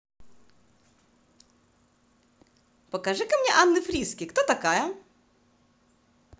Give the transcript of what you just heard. покажи ка мне анны фриске кто такая